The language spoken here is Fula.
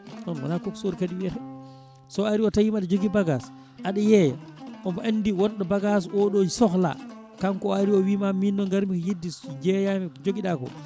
on wona coxeur kadi wiyete so ari o tawima aɗa jogui bagage aɗa yeeya omo andi wonɗo bagage oɗo sohla kanko o ari o wiima min noon garmi ko yidde jeeyami ko joogui ɗa ko